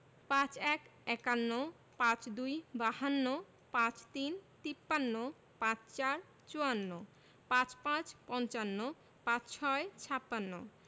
৫১ – একান্ন ৫২ - বাহান্ন ৫৩ - তিপ্পান্ন ৫৪ - চুয়ান্ন ৫৫ – পঞ্চান্ন ৫৬ – ছাপ্পান্ন